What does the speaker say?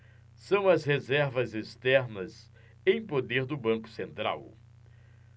são as reservas externas em poder do banco central